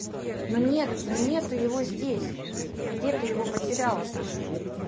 ну нет но нету его здесь ты где его потеряла то